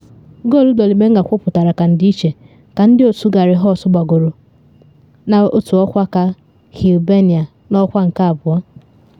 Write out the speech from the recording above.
Goolu Dolly Menga kwụpụtara ka ndịiche ka ndị otu Gary Holt gbagoro n’otu ọkwa ka Hibernia n’ọkwa nke abụọ.